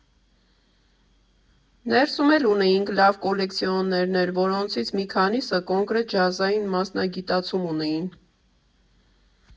Ներսում էլ ունեինք լավ կոլեկցիոներներ, որոնցից մի քանիսը կոնկրետ ջազային մասնագիտացում ունեին։